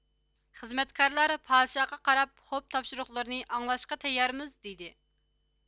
خىزمەتكارلار پادىشاھقا قاراپ خوپ تاپشۇرۇقلىرىنى ئاڭلاشقا تەييارمىز دىدى